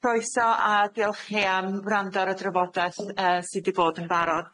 Croeso a diolch i chi am wrando ar y drafodaeth yy sy di bod yn barod.